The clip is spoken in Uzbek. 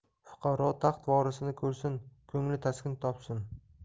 fuqaro taxt vorisini ko'rsin ko'ngli taskin topsin